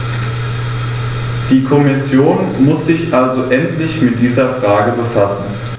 Die Kommission muss sich also endlich mit dieser Frage befassen.